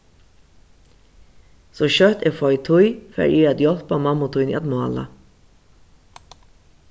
so skjótt eg havi tíð fari eg at hjálpa mammu tíni at mála